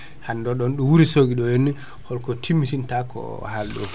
hande oɗon ɗo Wourossogui ɗo henna holko timmitinta ko haali ɗo ko